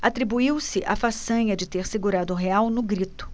atribuiu-se a façanha de ter segurado o real no grito